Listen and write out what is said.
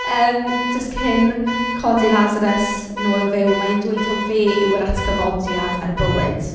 Yym jyst cyn codi Lasarus yn ôl yn fyw, mae e'n dweud taw fe yw yr atgyfodiad a'r bywyd.